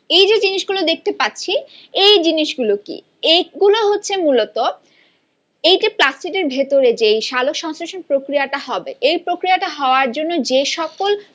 এ যে জিনিস গুলো কে দেখতে পাচ্ছি এই জিনিসগুলো কি এগুলো হচ্ছে মূলত এ যে প্লাস্টিড এর ভেতরে যে সালোকসংশ্লেষণের প্রক্রিয়া টা হবে এই প্রক্রিয়া টা হওয়ার জন্য যে সকল